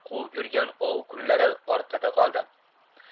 quvib yurgan ov kunlari orqada qoldi